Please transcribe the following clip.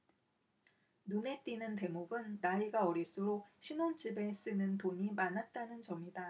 눈에 띄는 대목은 나이가 어릴수록 신혼집에 쓰는 돈이 많았다는 점이다